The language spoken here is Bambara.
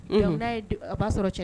' a b'a sɔrɔ cɛ